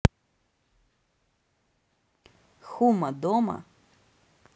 хума дома